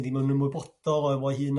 ddim yn ymwybodol o efo'i hun